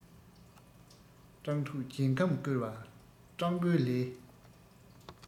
སྤྲང ཕྲུག རྒྱལ ཁམས བསྐོར བ སྤྲང པོའི ལས